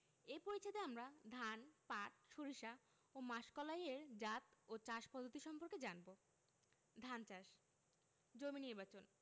এ পরিচ্ছেদে আমরা ধান পাট সরিষা ও মাসকলাই এর জাত ও চাষ পদ্ধতি সম্পর্কে জানব ধান চাষ জমি নির্বাচন